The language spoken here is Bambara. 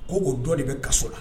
Ko o dɔ de be kaso la